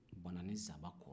bananinsabankɔrɔ